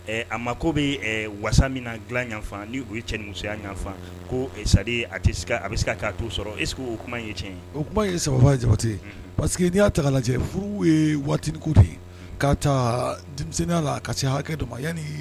A ma ko bɛ wasan min dilanyanfan ni o ye cɛmusoya ɲɔgɔnfan ko sa a tɛ a bɛ se k'a to sɔrɔ e o kuma in ye tiɲɛ ye o kuma ye saba ye jawati parce que n'i'a ta lajɛ furu ye waatiku de ye k'a taa denmisɛnninya la ka se hakɛ don ma yan